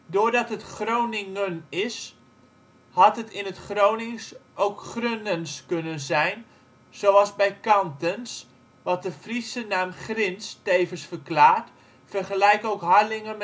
Doordat het Groningen is, had het in het Gronings ook Grunnens kunnen zijn, zoals bij Kantens, wat de Friese naam Grins tevens verklaart (vergelijk ook Harlingen